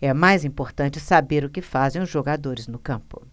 é mais importante saber o que fazem os jogadores no campo